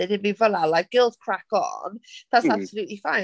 Na dim byd fel 'na like girls crack on, that's absolutely fine.